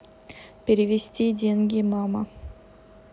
перевести деньги мама